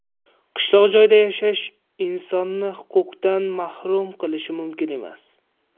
qishloq joyda yashash insonni huquqdan mahrum qilishi mumkin emas